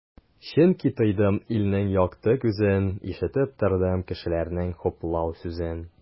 Чөнки тойдым илнең якты күзен, ишетеп тордым кешеләрнең хуплау сүзен.